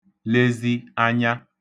lezi anya